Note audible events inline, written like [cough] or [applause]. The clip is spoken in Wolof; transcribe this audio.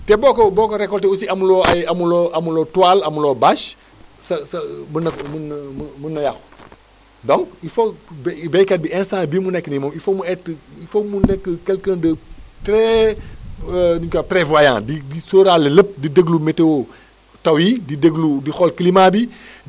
te boo ko boo ko récolté aussi amuloo ay [noise] amuloo amuloo toile amuloo bâche sa sa mën na ko mën naa mën na yàqu donc il faut bé béykat bi instant bii mu nekk ni moom il faut mu être il faut [noise] mu nekk quelqu' un de très [hesitation] nu ñu koy waxee prévoyant di sóoraale lépp di déglu météo taw yi di déglu di xool climat bi [breath]